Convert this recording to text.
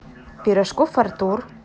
пирожков артур